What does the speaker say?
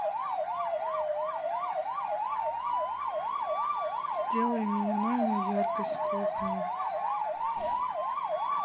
сделай минимальную яркость кухни